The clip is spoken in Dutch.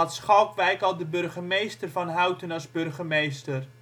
Schalkwijk al de burgemeester van Houten als burgemeester